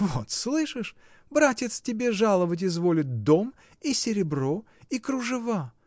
— Вот слышишь: братец тебе жаловать изволит дом, и серебро, и кружева.